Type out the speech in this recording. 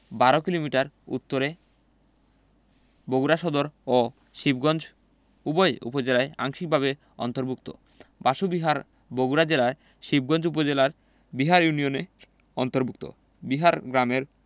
১২ kilometre উত্তরে বগুড়া সদর ও শিবগঞ্জ উভয় উপজেলায় আংশিকভাবে অন্তর্ভুক্ত ভাসু বিহার বগুড়া জেলার শিবগঞ্জ উপজেলার বিহার ইউনিয়নের অন্তর্ভুক্ত বিহার গ্রামের